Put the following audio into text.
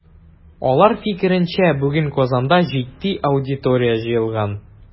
Алар фикеренчә, бүген Казанда җитди аудитория җыелган.